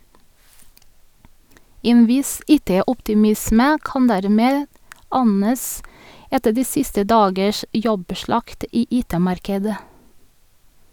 En viss IT-optimisme kan dermed anes, etter de siste dagers jobbslakt i IT-markedet.